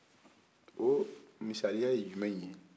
o misaliya ye juman ye